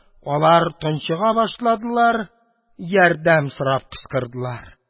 Алар тончыга башладылар, ярдәм сорап кычкырдылар.